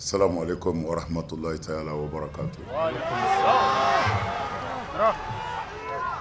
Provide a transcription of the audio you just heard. Sama kohamatla cayala o bɔra kan